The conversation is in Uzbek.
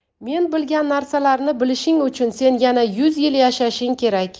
men bilgan narsalarni bilishing uchun sen yana yuz yil yashashing kerak